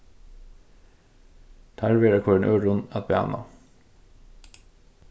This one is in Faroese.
teir verða hvørjum øðrum at bana